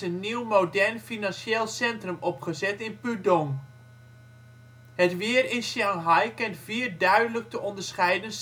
nieuw modern financieel centrum opgezet in Pudong. Het weer in Shanghai kent vier duidelijk te onderscheiden seizoenen